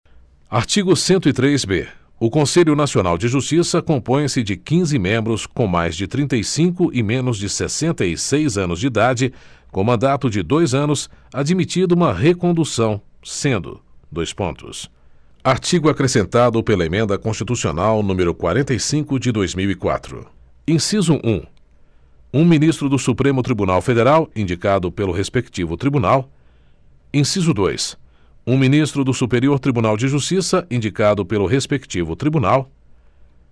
artigo cento e três b o conselho nacional de justiça compõe se de quinze membros com mais de trinta e cinco e menos de sessenta e seis anos de idade com mandato de dois anos admitida uma recondução sendo dois pontos artigo acrescentado pela emenda constitucional número quarenta e cinco de dois mil e quatro inciso um um ministro do supremo tribunal federal indicado pelo respectivo tribunal inciso dois um ministro do superior tribunal de justiça indicado pelo respectivo tribunal